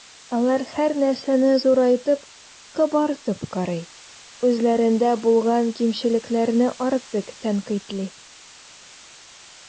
Алар һәрнәрсәне зурайтып, “кабартып” карый, үзләрендә булган кимчелекләрне артык тәнкыйтьли.